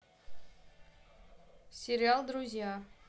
сериал друзья